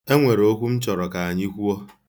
Enwere okwu m chọrọ Ka anyị kwuo.